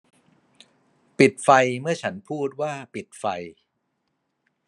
ปิดไฟเมื่อฉันพูดว่าปิดไฟ